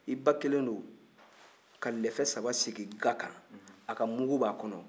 i ba kɛlen don ka lɛfɛ saba sigi ga kan a ka mugu b'a kɔnɔ